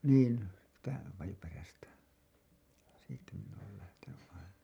niin siitä Pajuperästä siitä minä olen lähtenyt aina